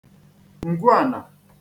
ǹgwuànà